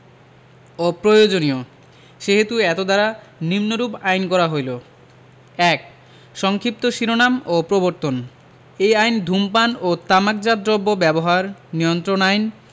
ও প্রয়োজনীয় সেহেতু এতদ্বারা নিম্নরূপ আইন করা হইল ১ সংক্ষিপ্ত শিরোনাম ও প্রবর্তন ১ এই আইন ধূমপান ও তামাকজাত দ্রব্য ব্যবহার নিয়ন্ত্রণ আইন